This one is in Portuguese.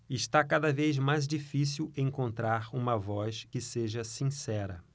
está cada vez mais difícil encontrar uma voz que seja sincera